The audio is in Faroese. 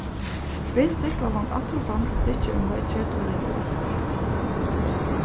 bint stiklavond aftur og fram til stykkið er umleið tretivu rillur